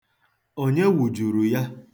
Onye wụjuru ya?